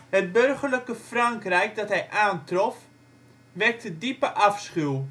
Het burgerlijke Frankrijk dat hij aantrof wekte diepe afschuw